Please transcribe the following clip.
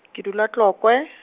ke dula Tlokwe.